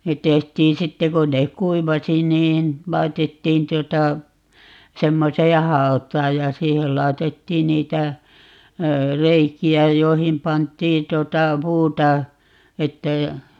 ne tehtiin sitten kun ne kuivasi niin laitettiin tuota semmoiseen hautaan ja siihen laitettiin niitä reikiä joihin pantiin tuota puuta että ei